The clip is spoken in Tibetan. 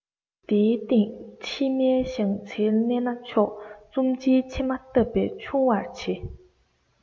དེ སྟེང ཕྱི མའི གཞང ཚིལ བསྣན ན མཆོག ལྕུམ རྩའི ཕྱེ མ བཏབ པས ཆུང བར བྱེད